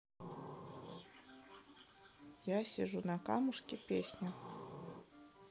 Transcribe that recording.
я сижу на камушке песня